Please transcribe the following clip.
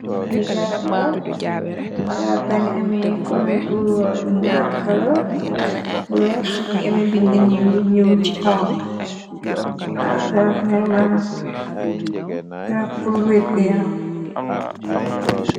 Li gabe garabpangi ame kolel bu naarkala ak luweex mi ame bind ñ ñul ci kawam garable mana garab kol werte aram